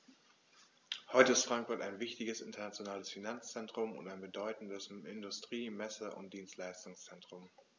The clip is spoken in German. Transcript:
Heute ist Frankfurt ein wichtiges, internationales Finanzzentrum und ein bedeutendes Industrie-, Messe- und Dienstleistungszentrum.